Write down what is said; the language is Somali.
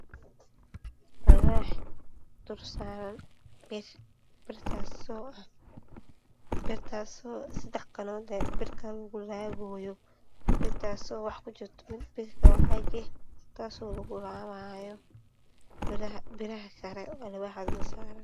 Waa alwaax dulsaaran bir oo bir kale oo caag ah oo lugu laabayo.